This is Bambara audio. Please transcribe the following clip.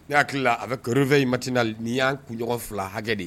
N' hakili a bɛ kurufɛn in mati na ni'i y'a kunɲɔgɔn fila hakɛ de ye